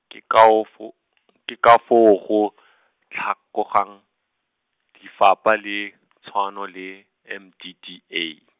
ke ka o fo- , ke ka foo go , tlhokegang, difapha le, tshwano le, M D D A.